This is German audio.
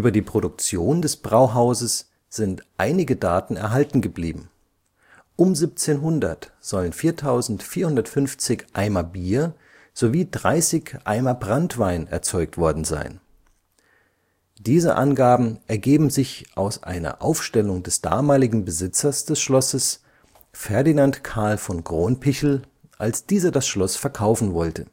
die Produktion des Brauhauses sind einige Daten erhalten geblieben: Um 1700 sollen 4450 Eimer Bier sowie 30 Eimer Branntwein erzeugt worden sein. Diese Angaben ergeben sich aus einer Aufstellung des damaligen Besitzers des Schlosses, Ferdinand Carl von Cronpichl, als dieser das Schloss verkaufen wollte